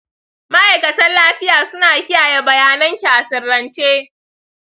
ma’aikatan lafiya suna kiyaye bayananki a sirrance.